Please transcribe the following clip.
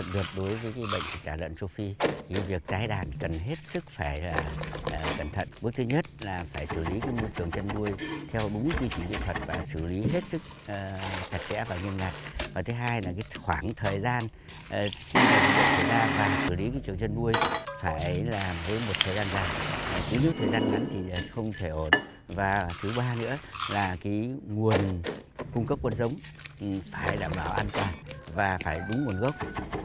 biệt đối với người bệnh dịch tả lợn châu phi khi việc tái đàn cần hết sức phải rà cẩn thận bước thứ nhất là phải xử lý môi trường chăn nuôi theo đúng quy trình nghệ thuật và xử lý hết sức chặt chẽ và nghiêm ngặt và thứ hai là khoảng thời gian a khi mà dịch bệnh xảy ra và xử lý các trường chăn nuôi phải làm với một thời gian dài để chứa nhiếu thời gian ngắn thì không thể ổn và thứ ba nữa là kí nguồn cung cấp nguồn giống phải đảm bảo an toàn và phải đúng nguồn gốc